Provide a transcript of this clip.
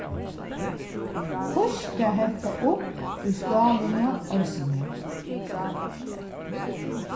píska hetta upp í skálina eisini